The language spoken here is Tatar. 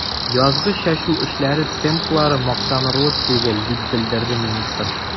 Язгы чәчү эшләре темплары мактанырлык түгел, дип белдерде министр.